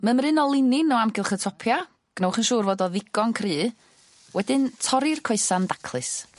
Mymryn o linyn o amgylch y topia' gnewch yn siŵr fod o ddigon cry wedyn torri'r coesa'n daclus.